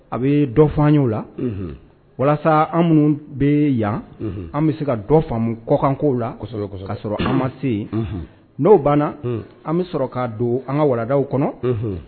A bɛ dɔ fanyo la walasa an minnu bɛ yan an bɛ se ka dɔ faamumu kɔkanko lasɔ ka sɔrɔ an ma se n'o banna an bɛ sɔrɔ ka don an ka waladaw kɔnɔ